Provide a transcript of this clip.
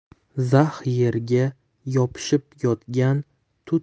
zax yerga yopishib yotgan tut